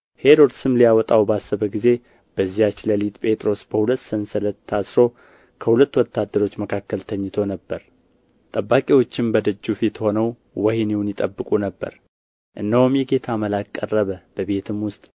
ሄሮድስም ሊያወጣው ባሰበ ጊዜ በዚያች ሌሊት ጴጥሮስ በሁለት ሰንሰለት ታስሮ ከሁለት ወታደሮች መካከል ተኝቶ ነበር ጠባቂዎችም በደጁ ፊት ሆነው ወኅኒውን ይጠብቁ ነበር እነሆም የጌታ መልአክ ቀረበ በቤትም ውስጥ